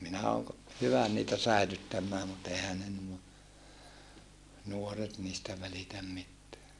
minä olen - hyvä niitä säilyttämään mutta eihän ne nuo nuoret niistä välitä mitään